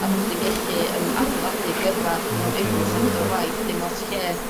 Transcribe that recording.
A bo' chdi'n gellu yym adeiladu gyrfa mewn unryw sector waith dim ots lle